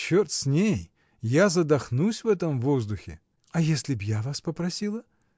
— Черт с ней, я задохнусь в этом воздухе. — А если б я вас попросила?